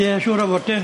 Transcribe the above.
Ie siŵr o fod te.